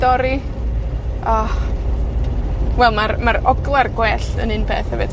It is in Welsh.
dorri, o, wel ma'r, ma'r ogla'r gwellt yn un peth hefyd.